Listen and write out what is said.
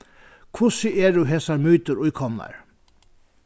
hvussu eru hesar mytur íkomnar